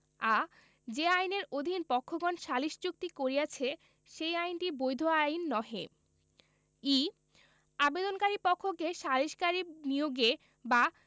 আ যে আইনের অধীন পক্ষগণ সালিস চুক্তি করিয়াছে সেই আইনটি বৈধ আইন নহে ই আবেদনকারী পক্ষকে সালিসকারী নিয়োগে বা